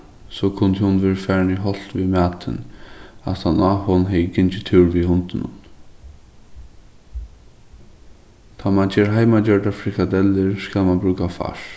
so kundi hon verið farin í holt við matin aftaná hon hevði gingið túr við hundinum tá man ger heimagjørdar frikadellur skal man brúka fars